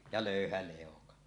ja löyhä leuka